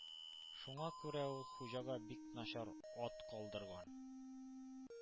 Шуңа күрә ул Хуҗага бик начар ат калдырган.